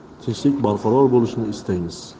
tinchlik barqaror bo'lishini istaymiz